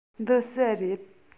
འདི ཟྭ རེད